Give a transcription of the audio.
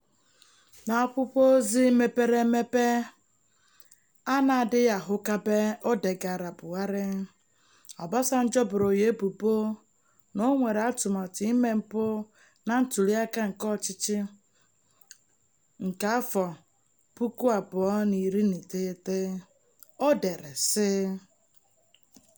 N'akwụkwọ ozi mepere emepe a na-adịghị ahụkebe o degaara Buhari, Obasanjo boro ya ebubo na o nwere atụmatụ ime mpụ na ntụliaka nke 2019. O dere, sị: